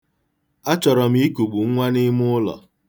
Achọrọ m ikukpu nwa n'ime ụlọ.